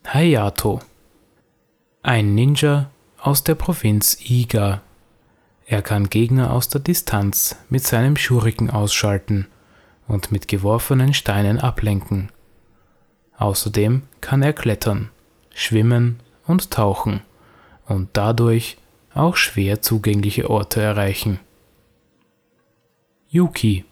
Hayato: Ein Ninja aus der Provinz Iga. Er kann Gegner aus der Distanz mit seinem Shuriken ausschalten und mit geworfenen Steinen ablenken. Außerdem kann er klettern, schwimmen und tauchen und dadurch auch schwer zugängliche Orte erreichen. Yuki